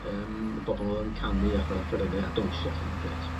Yym bobol yn canu a chware offeryne a downsio 'lly ma'n grêt.